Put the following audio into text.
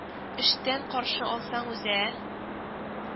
Эштән каршы алсаң үзен, ә